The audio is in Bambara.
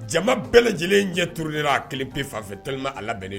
Jama bɛɛ lajɛlen jɛ turulen a kelen pe fanfɛ tma a lanen